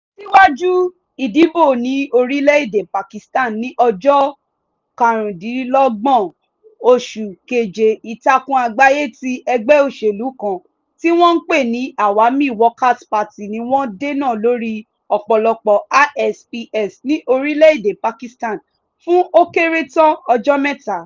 Síwájú ìdìbò ní orílẹ̀ èdè Pakistan ní ọjọ́ 25 oṣù Keje, ìtàkùn àgbáyé ti egbé òṣèlú kan tí wọn ń pè ní Awami Workers Party ní wọ́n dènà lórí ọ̀pọ̀lọpọ̀ ISPS ní orílẹ̀ èdè Pakistan fún ó kéré tán ọjọ́ mẹ́ta.